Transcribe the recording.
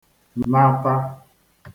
nata